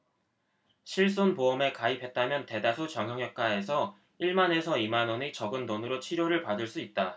실손보험에 가입했다면 대다수 정형외과에서 일 만 에서 이 만원의 적은 돈으로 치료를 받을 수 있다